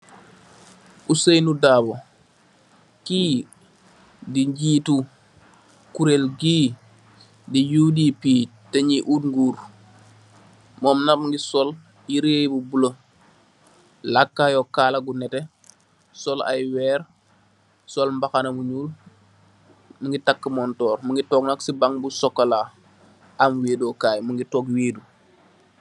Ousainu Darbo, kii di gittu kurel gi di UDP teh nyi oot guur, mom nak mingi sol yire bula, lakayoo kaala gu nete, sol ay weer, sol mbaxana mu nyuul, mingi takk montor, toog si bang bu sokola, am wedokaay, mingi toog weddu.